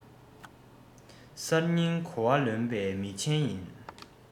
གསར རྙིང གོ བ ལོན པའི མི ཆེན ཡིན